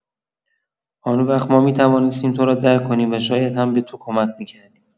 آن‌وقت ما می‌توانستیم تو را درک کنیم و شاید هم به تو کمک می‌کردیم.